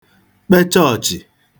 kpe chọọ̀chị̀